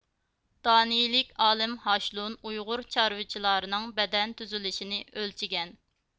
دانىيىلىك ئالىم ھاشلون ئۇيغۇر چارۋىچىلارنىڭ بەدەن تۈزۈلۈشىنى ئۆلچىگەن